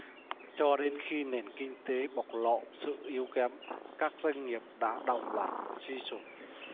cho đến khi nền kinh tế bộc lộ sự yếu kém các doanh nghiệp đã đồng loạt suy sụp